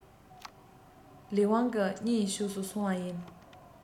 ལས དབང གི རྙིའི ཕྱོགས སུ སོང བ ཡིན